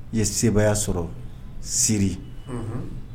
I ye sebaya sɔrɔ siri.